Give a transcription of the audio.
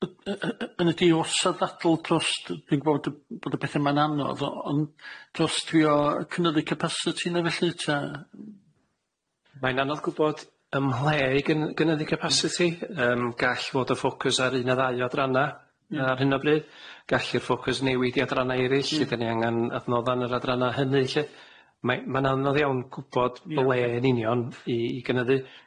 y- y- y- y- y- y- y- y- y- ydi os na ddadl dros, dwi'n gwbo bod y petha ma'n anodd, ond dros trio cynyddu capacity ne felly ta. Mae'n anodd gwbod ym mhle i gynyddu capcity, yym gall fod y ffocws ar un neu ddau o adranna, ar hyn o bryd, gall y ffocws newid i adranna erill lle da ni angen adnodda yn yr adrana hyny lly. Ma- mae'n anodd gwbo ble yn union i gynyddu.